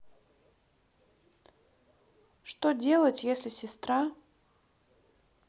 что делать если сестра